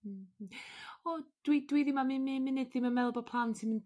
Hmm hmm. O dwi dwi ddim am un un munud ddim yn me'wl bo' plant yn